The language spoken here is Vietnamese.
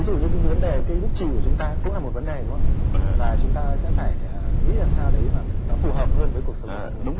ví dụ như cái vấn đề cây bút chì của chúng ta cũng là một vấn đề đúng không ạ và chúng ta sẽ phải nghĩ làm sao đấy mà nó phù hợp hơn với cuộc sống